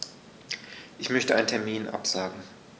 Ich möchte einen Termin absagen.